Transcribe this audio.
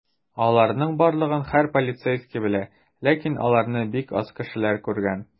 Аларның барлыгын һәр полицейский белә, ләкин аларны бик аз кешеләр күргән.